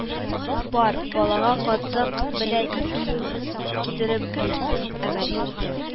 Бар, балага катык белә ипи китереп бир", – дип әмер итте